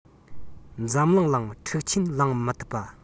འཛམ གླིང ལ འཁྲུག ཆེན ལངས མི ཐུབ པ